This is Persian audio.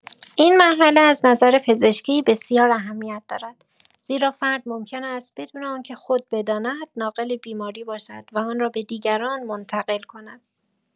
این مرحله از نظر پزشکی بسیار اهمیت دارد، زیرا فرد ممکن است بدون آنکه خود بداند ناقل بیماری باشد و آن را به دیگران منتقل کند.